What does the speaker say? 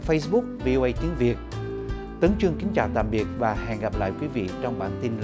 phây búc vi ô ây tiếng việt tuấn trương kính chào tạm biệt và hẹn gặp lại quý vị trong bản tin